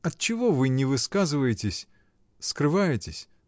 — Отчего вы не высказываетесь, скрываетесь?